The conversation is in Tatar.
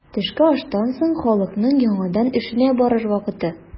Төшке аштан соң халыкның яңадан эшенә барыр вакыты.